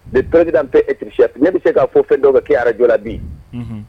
Le Perezidan pe ɛtri sɛf ne bɛ se k'a fɔ fɛn dɔw bɛ kɛ arajjɔ la bi